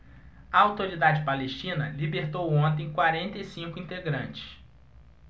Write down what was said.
a autoridade palestina libertou ontem quarenta e cinco integrantes